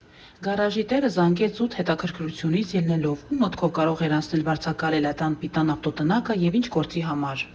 Գարաժի տերը զանգեց զուտ հետաքրքրությունից ելնելով՝ ու՞մ մտքով կարող էր անցնել վարձակալել այդ անպիտան ավտոտնակը և ի՞նչ գործի համար։